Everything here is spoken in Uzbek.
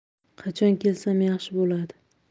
qachon kelsam yaxshi bo'ladi